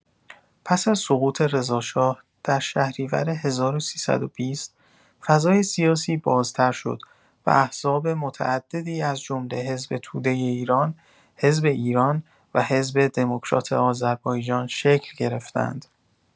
پس از سقوط رضاشاه در شهریور ۱۳۲۰، فضای سیاسی بازتر شد و احزاب متعددی از جمله حزب توده ایران، حزب ایران و حزب دموکرات آذربایجان شکل گرفتند.